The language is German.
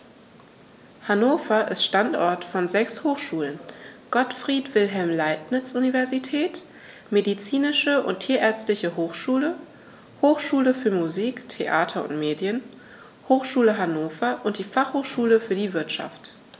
Hannover ist Standort von sechs Hochschulen: Gottfried Wilhelm Leibniz Universität, Medizinische und Tierärztliche Hochschule, Hochschule für Musik, Theater und Medien, Hochschule Hannover und die Fachhochschule für die Wirtschaft.